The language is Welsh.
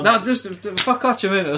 Na jyst ffwc o ots am hyn...